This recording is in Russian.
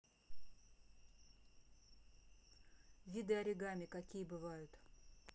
виды оригами какие бывают